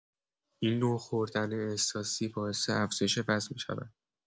این نوع خوردن احساسی باعث افزایش وزن می‌شود.